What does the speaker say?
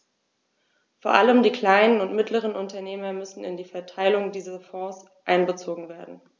Vor allem die kleinen und mittleren Unternehmer müssen in die Verteilung dieser Fonds einbezogen werden.